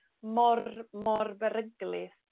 mor mor beryglus